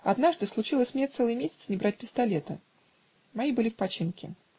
Однажды случилось мне целый месяц не брать пистолета: мои были в починке